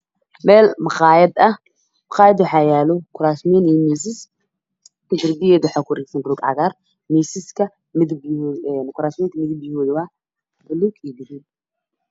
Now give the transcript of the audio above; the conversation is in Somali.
Makhaayad ayaa laan mise kuraas waxay waxaa ku wareegsan roob cagaara miisaska waa cadaan kuraasta waa madow